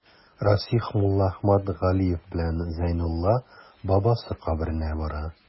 Расих Муллаәхмәт Галиев белән Зәйнулла бабасы каберенә бара.